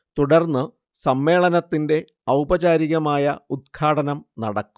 തുടർന്ന് സമ്മേളനത്തിന്റെ ഔപചാരികമായ ഉത്ഘാടനം നടക്കും